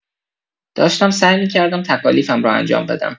داشتم سعی می‌کردم تکالیفم رو انجام بدم.